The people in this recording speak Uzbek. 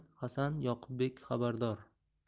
kelganidan hasan yoqubbek xabardor